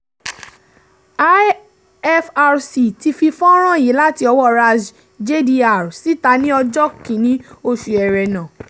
IFRC ti fi fọ́nràn yìí láti ọwọ́ Ras Jdir síta ní ọjọ́ 1 oṣù Ẹrẹ́nà.